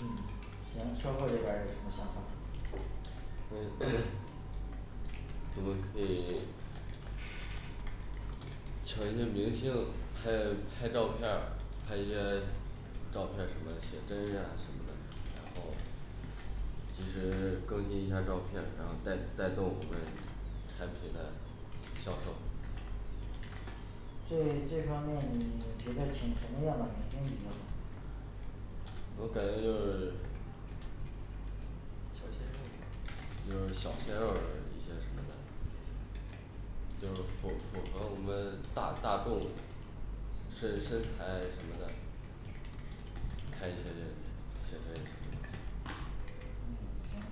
嗯行售后这块儿有什么想法儿嗯 我们可以请一些明星，拍拍照片儿，拍一些照片儿什么写真呀什么的然后及时更新一下照片，然后带带动我们产品的销售这这方面你觉得请什么样的明星比较好呢我感觉就是小鲜肉就是小鲜肉。一些什么的就是符符合我们大大众身身材什么的看一些请那什么嗯行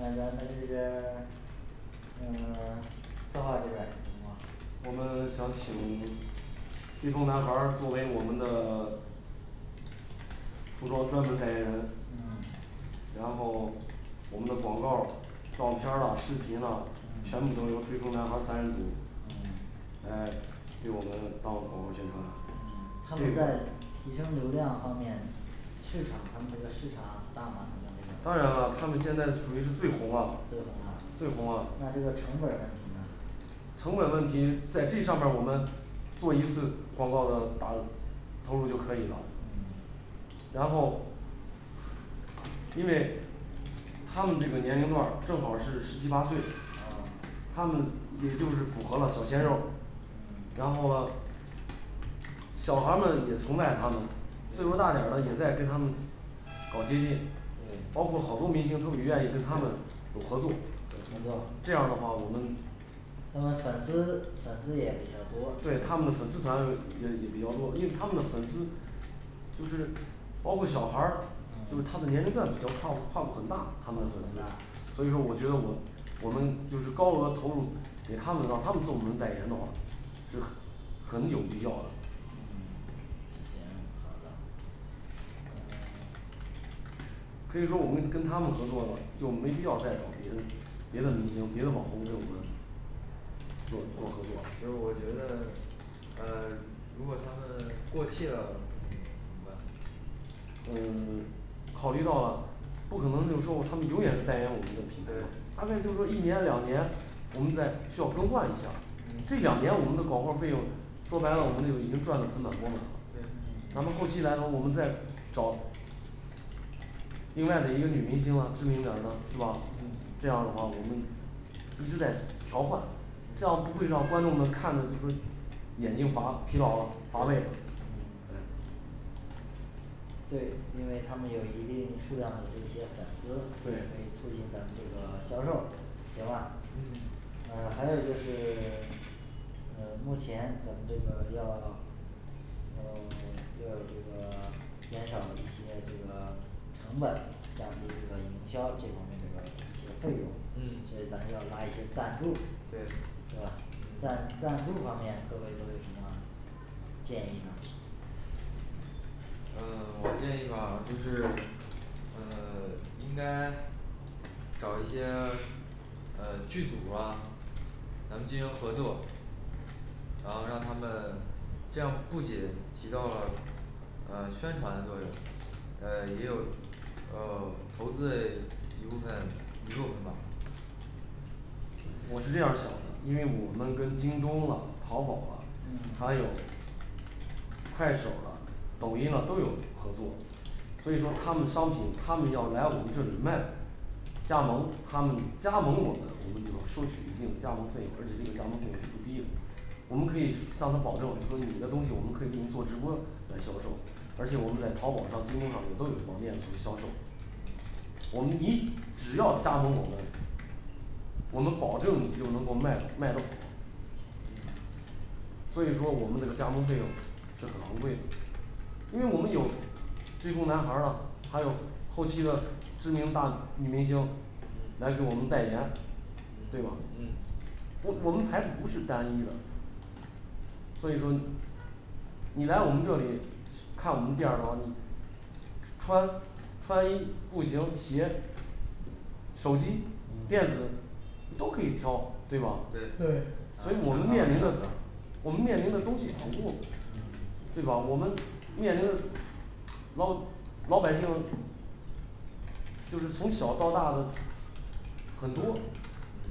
嗯然后这边儿 嗯 策划这边儿什么情况我们想请 追风男孩儿作为我们的 服装专门代言人嗯然后我们的广告照片儿啦视频啦全嗯部都由追风男孩三人组嗯来给我们当广告宣传嗯他们在提升流量方面市场他们这个市场大吗他们这个，当然啦他们现在属于是最红了最，红了最红了那这个成本儿问题呢成本问题在这上面儿我们做一次广告的大的投入就可以了嗯然后因为他们这个年龄段儿正好是十七八岁哦他们也就是符合了小鲜肉儿嗯然后呢小孩儿们也崇拜他们，岁数大点儿的也在跟他们搞接近对包括好多明星都很愿意跟他们有合作有合作这样的话我们他们粉丝粉丝也比较多对他们的粉丝团也也比较多，因为他们的粉丝就是包括小孩儿，就是嗯他的年龄段比较跨度跨度很大，他跨们度的很粉丝大所以说我觉得我我们就是高额投入给他们，让他们做我们代言的话，是很 很有必要嗯行好的嗯 可以说我们跟他们合作就没必要再找别人，别的明星别的网红跟我们做做合就作是我觉得呃 如果他们过气了嗯怎么办嗯 考虑到不可能就是说他们永远会代言我们的品牌的对，大概就是说一年两年，我们再需要更换一下儿这嗯两年我们的广告费用说白了我们就已经赚得盆满钵满了对咱们后期来说我们再找另外的一个女明星了，知名一点儿的是吧？嗯这样的话我们一直在调换，这样不会让观众们看的就是眼睛乏疲劳乏味嗯对对，因为他们有一定数量的这些粉丝，可对以促进咱们这个销售。行吧嗯呃还有就是 呃目前咱们这个要 呃 要这个减少一些这个成本，降低这个营销这方面这个一些费用，所嗯以咱要拉一些赞助对对吧赞赞助方面各位都有什么建议呢嗯 我建议吧就是嗯 应该找一些嗯剧组啊咱们进行合作然后让他们这样不仅起到了呃宣传作用，呃也有呃 投资嘞一部分，一部分吧我是这样想的，因为我们跟京东了淘宝了，嗯还有快手了抖音了都有合作，所以说他们商品他们要来我们这里卖加盟他们加盟我们我们就能收取一定的加盟费用，而且这个加盟费是不低的我们可以向他保证我们说你的东西我们可以给你做直播来销售，而且我们在淘宝上京东上也都有网店来销售我们一只要加盟我们我们保证你就能够卖卖的好对所以说我们这个加盟费用是很昂贵的因为我们有追风男孩儿啊，还有后期的知名大女明星来嗯给我们代言对吧嗯嗯不我们牌子不是单一的所以说你来我们这里看我们店儿然后你吃 穿穿衣不行鞋手机嗯电子都可以挑对吧对对？所以我们面临的我们面临的东西很多嗯对吧？我们面临的老老百姓的就是从小到大的很多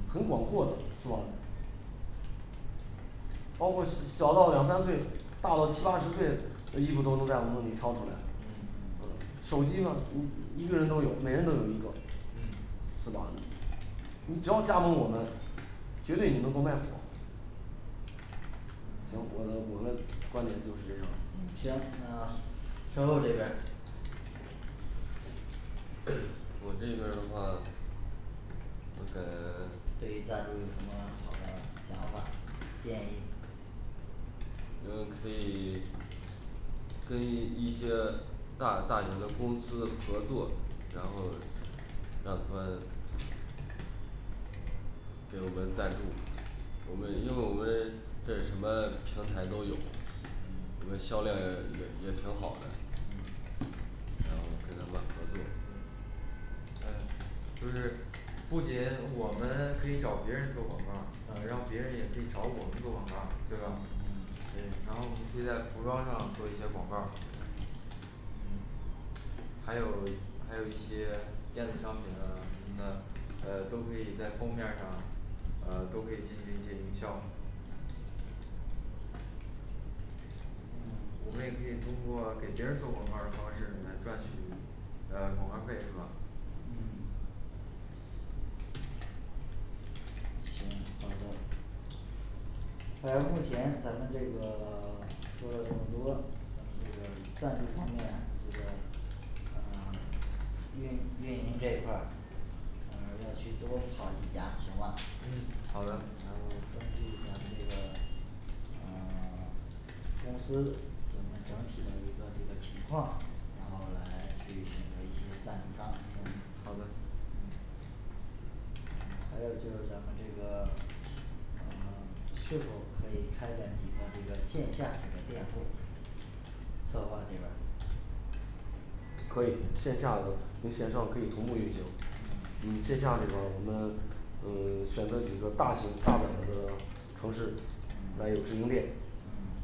很嗯广阔的是吧包括小到两三岁，大到七八十岁的衣服都能在我们这里挑出来，嗯嗯手机呢一个人都有每人都有一个嗯是吧你你只要加盟我们，绝对你能够卖火嗯行，我的我的观点就是这样嗯行那售后这边儿 我这边儿的话这个 对于赞助有什么好的想法建议那么可以跟一一些大大型的公司合作，然后让他们给我们赞助。我们因为我们这儿什么平台都有我嗯们销量也也挺好的嗯然后跟他们合作还有呢就是不仅我们可以找别人做广告儿，然后别人也可以找我们做广告儿，对吧，嗯嗯然后我们可以在服装上做一些广告儿嗯还有还有一些电子商品的什么的，啊都可以在封面儿上呃都可以进行一些营销嗯我们也可以通过给别人做广告儿的方式来赚取呃广告儿费是吧？嗯行好的呃目前咱们这个 说了这么多咱们这个，赞助方面这个呃 运运营这一块儿呃 要去多跑几家行吧嗯好的然后登记一下这个嗯 公司对我们整体的一个这个情况，然后来去选择一些赞助商好的嗯还有就是咱们这个嗯 是否可以开展几个这个线下这个店铺策划这边儿可以线下的跟线上可以同步运行嗯嗯线下这边儿我们嗯 选择几个大型大点儿的城市来嗯有直营店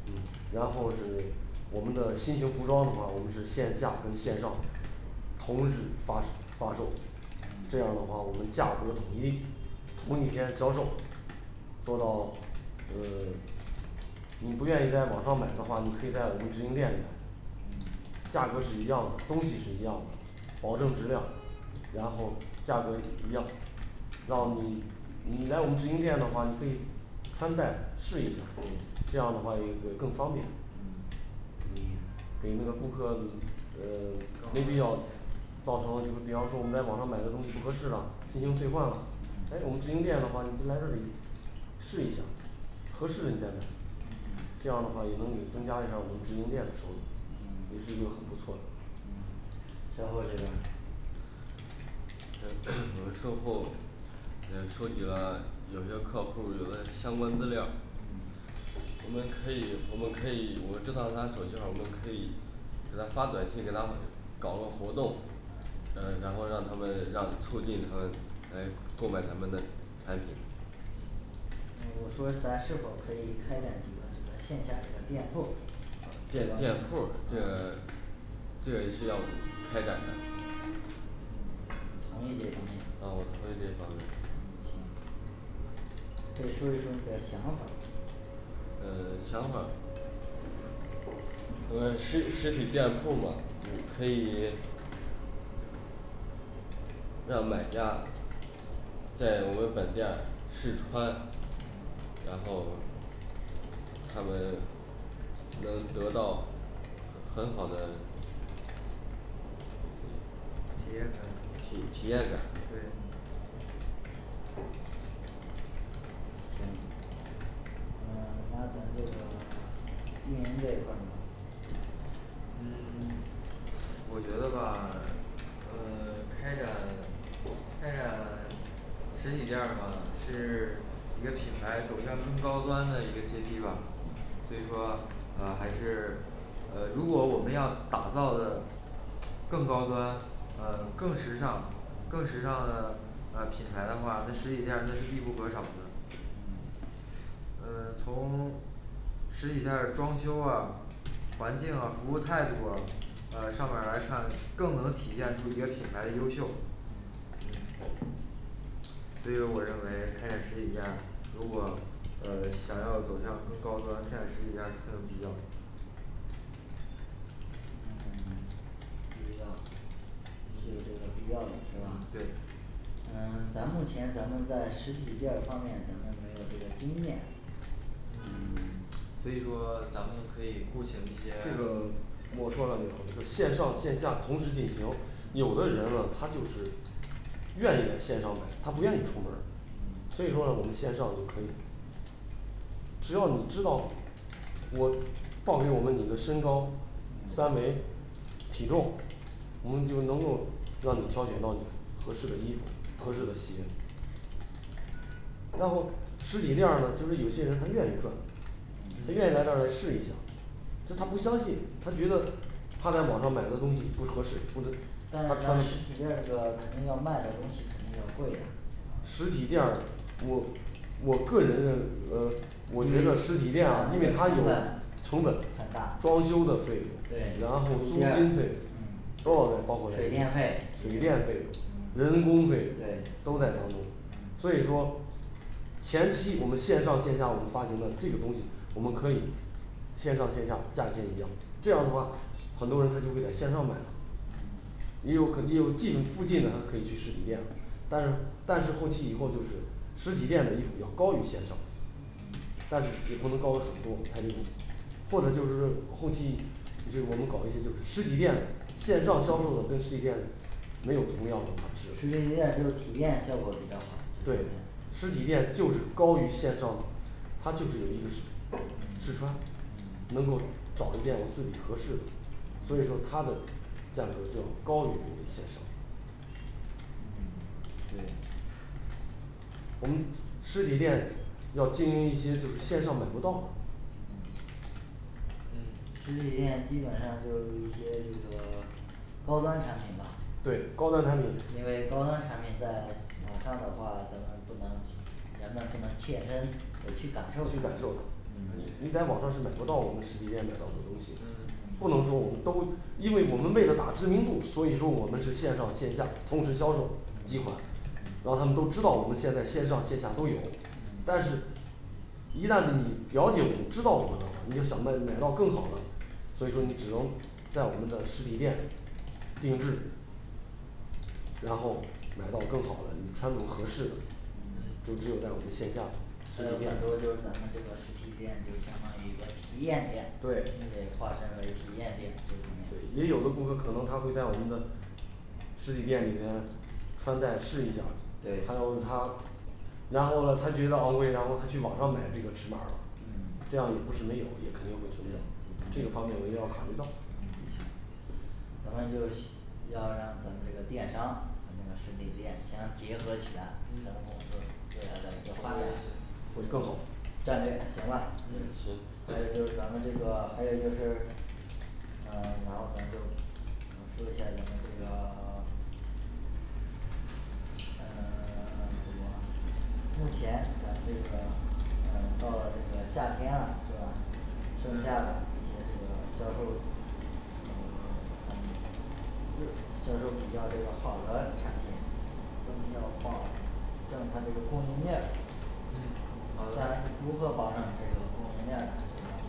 嗯嗯然后是我们的新型服装的话，我们是线下跟线上同时发售 发售这嗯样的话我们价格统一同一天销售做到呃 你不愿意在网上买的话，你可以在我们直营店里买嗯价格是一样的，东西是一样的，保证质量然后价格也一样让你你来我们直营店的话，你可以穿戴试一下对，这样的话也更更方便嗯嗯 给那个顾客嗯 没必要造成了这个比方说我们在网上买的东西不合适了，进行退换，哎我们嗯直营店的话你就来这里试一下合适了你再买嗯嗯，这样的话也能也增加一下我们直营店的收入也是嗯一个很不错的嗯售后这边儿嗯 我们售后嗯收集了有些客户有的相关资料嗯我们可以我们可以我们知道他手机号儿我们可以给他发短信给他们搞个活动嗯然后让他们让促进他们来购买咱们的产品呃我说咱是否可以开展几个这个线下这个店铺哦店店铺儿这个这个是要开展的嗯行同意这方面嗯同意这方面嗯行可以说一说你的想法儿嗯想法儿嗯实实体店铺儿呢我们可以让买家在我们本店试穿然后嗯然后他们能得到很好的体验感体体验感对行嗯 那咱这个运营这一块儿呢嗯 我觉得吧 嗯 开展开展实体店儿吧是一个品牌走向更高端的一个阶梯吧嗯所以说啊还是呃如果我们要打造的更高端呃更时尚更时尚的呃品牌的话，那实体店儿那是必不可少的嗯嗯 从 实体店儿装修啊，环境啊服务态度啊啊上面儿来看，更能体现出一个品牌的优秀嗯所以我认为开展实体店儿如果呃想要走向更高端，开展实体店儿很有必要嗯 必要是有这个必要的是吧对嗯 咱目前咱们在实体店儿方面咱们没有这个经验嗯 所以说咱们可以雇请一些这个我说了线上线下同时进行，有的人呢他就是愿意线上买，他不愿意出门儿所嗯以说我们呢线上就可以只要你知道我报给我们你的身高三嗯围体重，我们就能够让你挑选到你合适的衣服合适的鞋4然后实体店儿呢就是有些人她愿意转她嗯愿意来这儿来试一下这她不相信，她觉得怕在网上买的东西不合适不但是它实体店儿的肯定要卖的东西肯定要贵呀实体店儿我我个人认嗯我觉得实体店儿啊因为它有成本成本很大装修的费用，对然后租金费用嗯当然我们包括水电费水电费嗯人工费对都在当中嗯所以说前期我们线上线下我们发行的这个东西，我们可以线上线下价钱一样，这样的话很多人她就会在线上买嗯也有可能也有近附近的可以去实体店，但是但是后期以后就是实体店的衣服要高于线上嗯但是也不能高得很多她就这个就是说后期就我们搞一些就是实体店，线上销售的跟实体店没有同样的款式实体店就体验效果比较好实体对店实体店就是高于线上它就是有一个试试嗯穿嗯能够找得见自己合适的所以说嗯它的价格就要高于我们线上嗯对我们实体店要经营一些就是线上买不到嗯嗯实体店基本上就一些这个高端产品吧对高端产品因为高端产品在网上的话，咱们不能去人们不能切身去感受去感它受你你嗯在网上是买不到我们实体店买到的东西，嗯不能说我们都因为我们为了打知名度，所以说我们是线上线下同时销售嗯嗯几款让嗯他们都知道我们现在线上线下都有但是一旦你了解我们知道我们的话，你就想到买到更好的所以说你只能在我们的实体店定制然后买到更好的，你穿着合适的，嗯嗯就只有在我们线下还有一点儿就是说咱们这个实体店就相当于一个体验店你对得划分为体验店这种的也有的顾客可能她会在我们的实体店里面穿戴试一下，还对有她然后呢她觉得昂贵，然后她去网上买这个尺码儿了，这嗯样也不是没有，也肯定会存在这个方面我也要考虑到嗯行咱们就需要让咱们这个电商和那个实体店相结合起来，咱们公嗯司未来的一个发展会更好战略行吧嗯嗯行还有就是咱们这个还有就是嗯然后咱就嗯说一下咱们这个 嗯 怎么目前咱们这个嗯到了这个夏天了是吧盛夏的一些这个销售呃销售比较这个好的产品咱们要保证它这个供应链儿嗯好，的咱如何保证这个供应链儿呢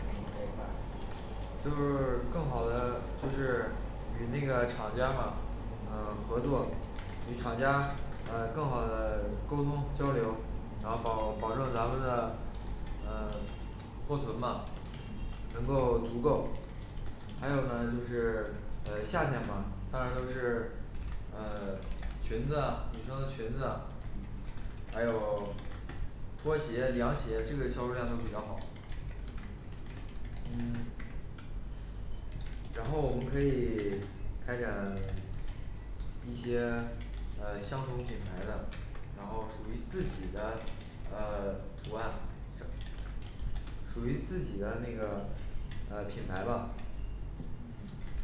运营这一块儿就是更好的就是与那个厂家嘛嗯嗯合作与厂家呃更好的沟通交流，然后嗯保保证咱们的呃 库存吧嗯能够足够还有呢就是呃夏天嘛，当然就是呃裙子，女生的裙子还有拖鞋、凉鞋这个销售量都比较好嗯 然后我们可以 开展 一些呃相同品牌的，然后属于自己的呃 图案属于自己的那个呃品牌吧嗯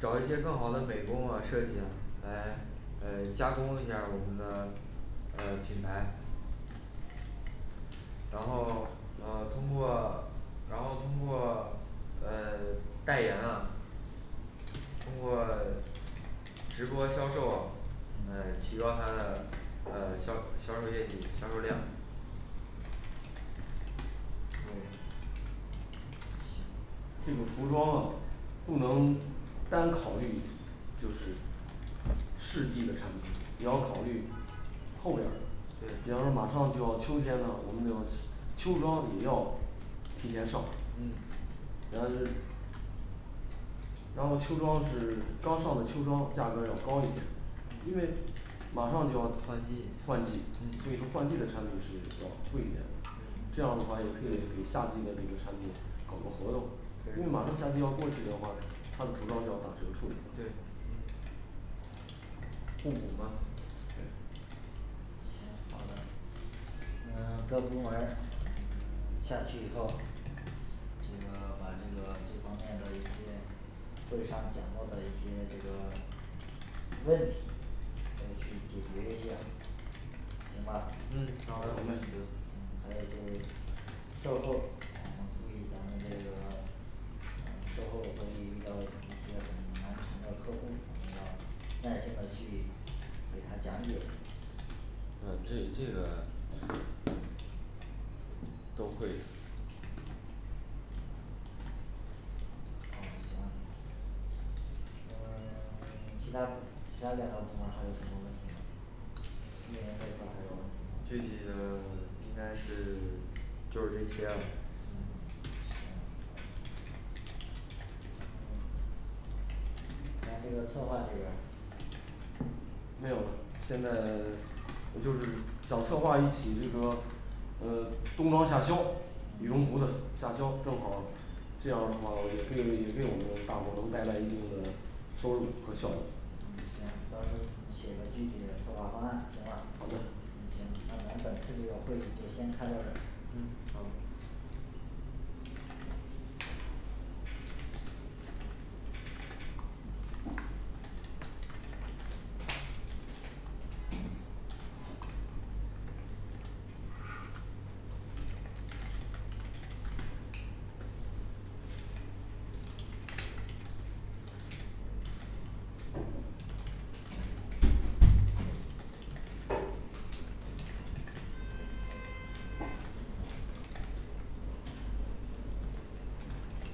找一些更好的美工啊设计来呃加工一下我们的呃品牌然后呃通过然后通过呃 代言啊通过直播销售啊呃嗯提高它的呃销销售业绩销售量对这个服装啊不能单考虑就是适季的产品也要考虑后边儿的比方说对马上就要秋天了，我们就秋装也要提前上嗯然后是然后秋装是刚上的秋装价格儿要高一点因为嗯马上就要换季换季，所以说换季的产品是要贵一点儿，这样的话也可以给夏季的这个产品搞个活动因为对马上夏季要过去的话，他的服装就要打折处理对互补吗对行好的嗯各部门儿下去以后这个把这个这方面的一些会上讲到的一些这个问题要去解决一下行吧嗯好的没问题行还有就是售后，嗯注意咱们这个嗯售后会遇到一些很难缠的客户我们要耐心的去给她讲解嗯这这个都会嗯行嗯 其他部其他哪个部门儿还有什么问题吗运营这块儿还有问题吗具体的 应该是 就是这些了嗯行然后咱这个策划这边儿没有了，现在 就是想策划一起就是说嗯冬装夏销，羽绒服嗯的夏销正好这样的话也可以也给我们大伙儿能带来一定的收入和效益嗯行，到时候儿你写个具体嘞策划方案行吧好，的嗯行，那咱们本次这个会议就先开到这儿嗯好